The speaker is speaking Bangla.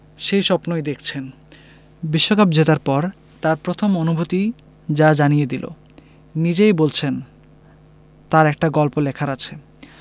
সেই স্বপ্নই দেখছেন বিশ্বকাপ জেতার পর তাঁর প্রথম অনুভূতিই যা জানিয়ে দিল নিজেই বলছেন তাঁর একটা গল্প লেখার আছে